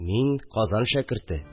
Мин – Казан шәкерте